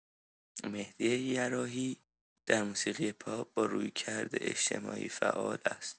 مهدی یراحی در موسیقی پاپ با رویکرد اجتماعی فعال است.